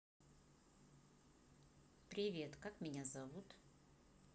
привет как меня зовут